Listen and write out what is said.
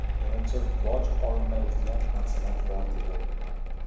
menimcha boj olinmaydigan narsalar bor deb o'ylayman